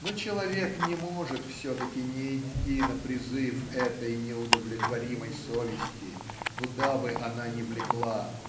Но человек не может все-таки не идти на призыв этой неудовлетворимой совести куда бы она ни влекла